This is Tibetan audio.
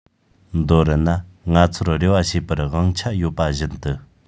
མདོར ན ང ཚོར རེ བ བྱེད པར དབང ཆ ཡོད པ བཞིན དུ